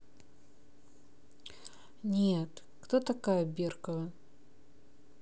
нет кто такая беркова